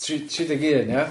Tri, tri deg un ia?